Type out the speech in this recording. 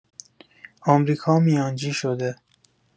آمریکا میانجی شده